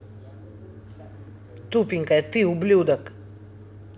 тупенькая ты ублюдок